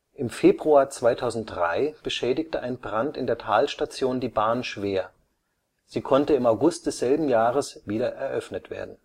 Im Februar 2003 beschädigte ein Brand in der Talstation die Bahn schwer. Sie konnte im August desselben Jahres wieder eröffnet werden